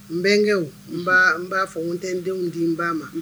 N bɛnkɛ n b'a fɔ n tɛ n denw di n ba ma